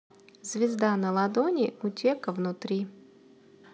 звезда на ладони утека внутри